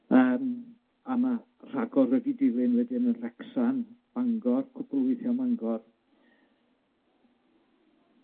Yym a ma' rhagor wedi dilyn wedyn yn Wrecsam, Bangor, cwpwl o weithiau ym Mangor.